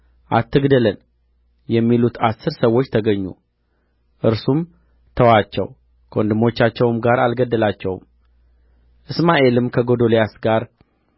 አትግደለን የሚሉት አሥር ሰዎች ተገኙ እርሱም ተዋቸው ከወንድሞቻቸውም ጋር አልገደላቸውም እስማኤልም ከጎዶልያስ ጋር